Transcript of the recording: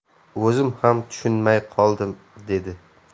o'zim ham tushunmay qoldim dedi